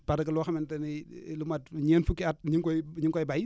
parce que loo xamante ni lu mat ñeent fukki at ñu ngi koy ñu ngi koy bay